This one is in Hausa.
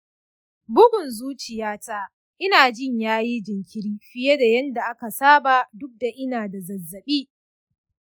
bugun zuciyata ina jin ya yi jinkiri fiye da yadda aka saba duk da ina da zazzabi.